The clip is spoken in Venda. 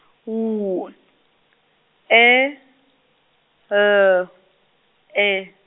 W, E, L, E.